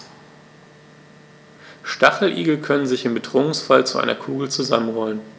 Stacheligel können sich im Bedrohungsfall zu einer Kugel zusammenrollen.